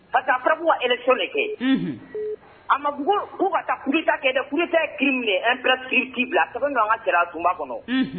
Ka taa so de kɛ a mabugu kou kata kɛ dɛ kute kiri minɛ an bila ki ki bila' an ka cɛla tunba kɔnɔ